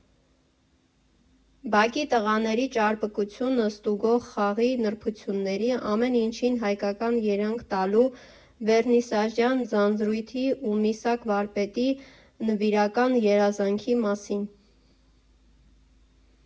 Բակի տղաների ճարպկությունը ստուգող խաղի նրբությունների, ամեն ինչին հայկական երանգ տալու, վերնիսաժյան ձանձրույթի ու Միսակ վարպետի նվիրական երազանքի մասին։